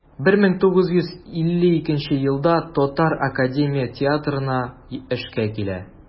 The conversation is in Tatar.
1952 елда татар академия театрына эшкә килә.